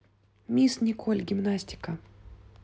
мисс николь гимнастика